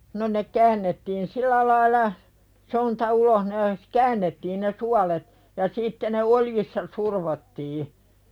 no ne käännettiin sillä lailla sonta ulos ne käännettiin ne suolet ja sitten ne oljissa survottiin